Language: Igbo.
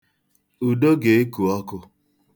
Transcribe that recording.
Udo ga-eku ọkụ.